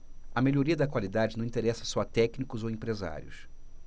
a melhoria da qualidade não interessa só a técnicos ou empresários